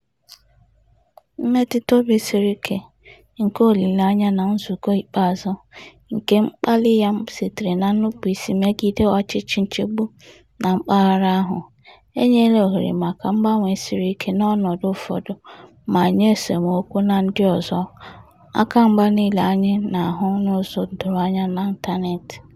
Mmetụta obi siri ike, nke olileanya na nzụkọ ikpeazụ, nke mkpali ya sitere na nnupụisi megide ọchịchị nchịgbu na mpaghara ahụ, enyela ohere maka mgbanwe siri ike n'ọnọdụ ụfọdụ ma nye esemokwu na ndị ọzọ, akamgba niile anyị na-ahụ n'ụzọ doro anya n'ịntaneetị.